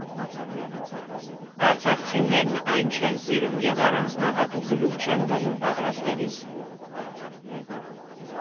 Արցախցիներն այն չեն սիրում և առանձնահատուկ գլուխ չեն դնում պատրաստելիս։